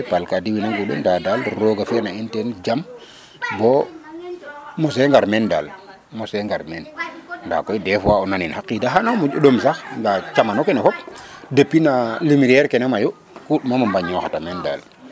paal ka diwiin a ŋuɗe nda roga fiya in taan jam bo mose ŋar meen dal mose ŋar meen nda koy dés fois a nanin a qida xana moƴ u ɗom sax nda camano kene fop depuis na lumière kene mayu kuɗ moom a mbañoxata meen daal